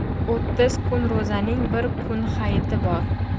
o'ttiz kun ro'zaning bir kun hayiti bor